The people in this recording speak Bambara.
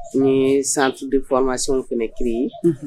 Ni centre de formation kun bɛ créé